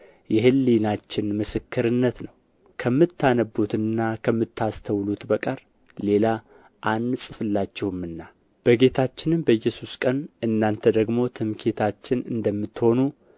የሕሊናችን ምስክርነት ነው ከምታነቡትና ከምታስተውሉት በቀር ሌላ አንጽፍላችሁምና በጌታችን በኢየሱስ ቀን እናንተ ደግሞ ትምክህታችን እንደምትሆኑ